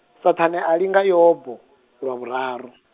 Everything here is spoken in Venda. Saṱhane a linga Yobo, lwa vhuraru.